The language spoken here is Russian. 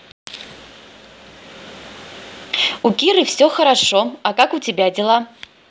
у киры все хорошо а как у тебя дела